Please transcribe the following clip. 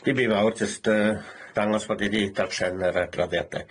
Dim by' mawr, jys' yy dangos bod i 'di darllen yr adroddiade.